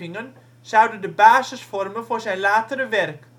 zouden de basis vormen voor zijn latere werk